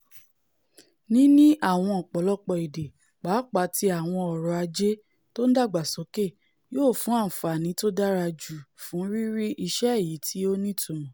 Níní àwọn ọ̀pọ̀lọpọ̀ èdè, paàpá ti àwọn ọ̀rọ̀-ajé tó ńdàgbàsóke, yóò fún àǹfààní tódára ju fún rírí iṣẹ́ èyití ó nítumọ̀.